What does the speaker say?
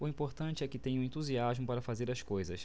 o importante é que tenho entusiasmo para fazer as coisas